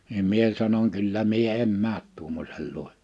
niin minä sanoin kyllä minä en mene tuommoisen luo